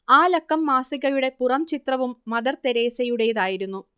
ആ ലക്കം മാസികയുടെ പുറംചിത്രവും മദർതെരേസയുടേതായിരുന്നു